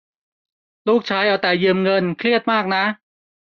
ลูกชายเอาแต่ยืมเงินเครียดมากนะ